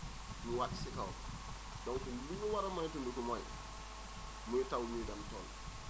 mu wàcc si kawam donc li ñu war a moytandiku mooy muy taw ñuy dem tool